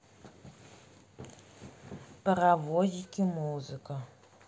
паровозики музыка